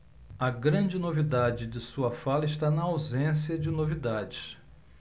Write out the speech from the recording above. a grande novidade de sua fala está na ausência de novidades